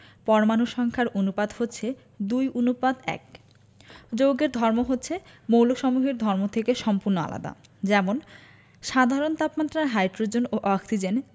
পরমাণুর সংখ্যার অনুপাত হচ্ছে ২ অনুপাত ১যৌগের ধর্ম হচ্ছে মৌলসমূহের ধর্ম থেকে সম্পূর্ণ আলাদা যেমন সাধারণ তাপমাত্রায় হাইড্রোজেন ও অক্সিজেন